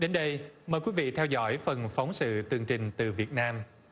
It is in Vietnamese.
đến đây mời quý vị theo dõi phần phóng sự tường trình từ việt nam